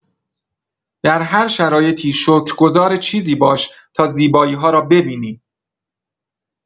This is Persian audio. در هر شرایطی شکرگزار چیزی باش تا زیبایی‌ها را ببینی.